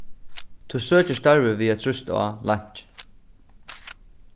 tú søkir starvið við at trýsta á leinkið